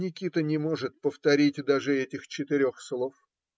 Никита не может повторить даже этих четырех слов.